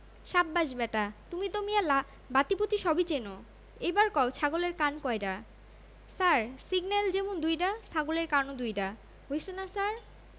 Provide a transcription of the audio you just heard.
সাব্বাস ব্যাটা তুমি তো মিয়া বাতিবুতি সবই চেনো এইবার কও ছাগলের কান কয়ডা ছার সিগনেল যেমুন দুইডা ছাগলের কানও দুইডা হইছে না ছার